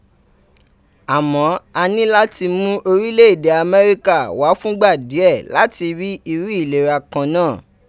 Àmọ́, a ní láti mú orílẹ̀ èdè Amẹ́ríkà wá fúngbà díẹ̀ láti rí irú ìlera kan náà